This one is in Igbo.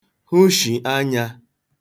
hwụshì anya